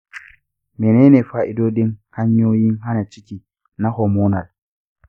menene fa’idodin hanyoyin hana ciki na hormonal?